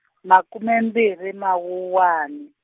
makume mbirhi Mawuwani.